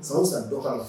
San san dɔ la